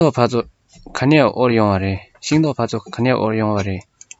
ཤིང ཏོག ཕ ཚོ ག ནས དབོར ཡོང བ རེད